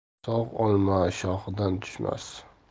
sog' olma shoxidan tushmas